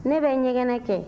ne bɛ ɲɛgɛnɛ kɛ